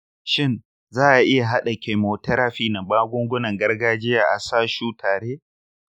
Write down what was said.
shin za'a iya hada chemotherapy da magungunan gargajiya a shasu tare?